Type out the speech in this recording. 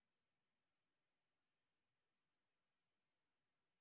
умные машины